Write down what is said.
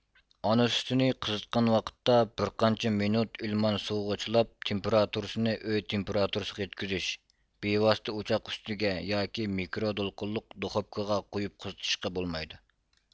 ئانا سۈتىنى قىزىتقان ۋاقىتتا بىرقانچە مىنۇت ئىلمان سۇغا چىلاپ تېمپېراتۇرىسىنى ئۆي تېمپېراتۇرىسىغا يەتكۈزۈش بىۋاسىتە ئوچاق ئۈستىگە ياكى مىكرو دولقۇنلۇق دوخۇپكىغا قويۇپ قىزىتىشقا بولمايدۇ